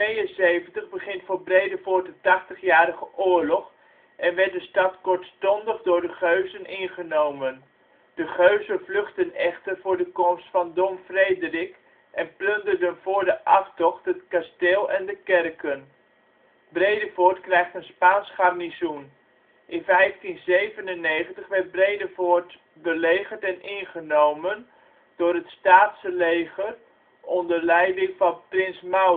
In 1572 begint voor Bredevoort de Tachtigjarige Oorlog en werd de stad kortstondig door de Geuzen ingenomen, de Geuzen vluchtten echter voor de komst van Don Frederik en plunderden voor de aftocht het kasteel en de kerken. Bredevoort krijgt een Spaans garnizoen. In 1597 werd Bredevoort belegerd en ingenomen door het Staatse leger onder leiding van Prins Maurits